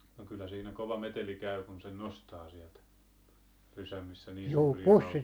no kyllä siinä kova meteli käy kun sen nostaa sieltä rysän missä niin iso hauki on